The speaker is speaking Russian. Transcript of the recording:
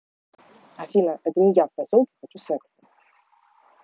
афина это не я в поселке хочу секса